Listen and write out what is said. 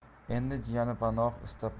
endi jiyani panoh istab